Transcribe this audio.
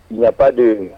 Yafadenw